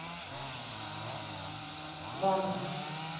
вана